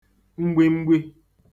mgbimgbi